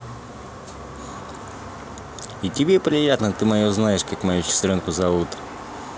и тебе приятно ты мое знаешь как мою сестренку зовут